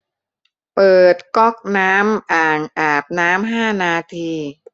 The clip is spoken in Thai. เปิดก๊อกน้ำอ่างอาบน้ำห้านาที